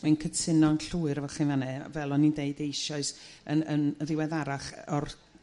Rwy'n cytuno'n llwyr efo chi'n fane fel o'n i'n d'eud eisoes yn yn yn ddiweddarach o'r